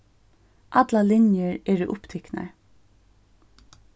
allar linjur eru upptiknar